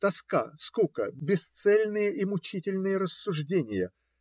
Тоска, скука, бесцельные и мучительные рассуждения.